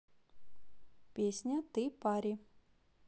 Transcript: песня ты пари